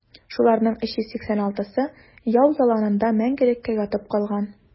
Шуларның 386-сы яу яланында мәңгелеккә ятып калган.